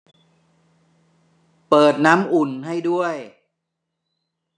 เปิดน้ำอุ่นให้ด้วย